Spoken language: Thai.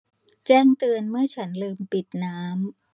แจ้งเตือนเมื่อฉันลืมปิดน้ำ